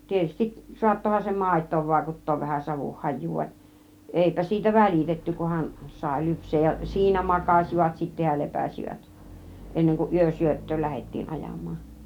tietysti saattoihan se maitoon vaikuttaa vähän savun hajua vaan eipä siitä välitetty kunhan sai lypsää ja siinä makasivat sitten ja lepäsivät ennen kuin yösyöttöön lähdettiin ajamaan